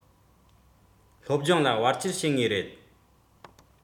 སློབ སྦྱོང ལ བར ཆད བྱེད ངེས རེད